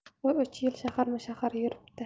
u uch yil shaharma shahar yuribdi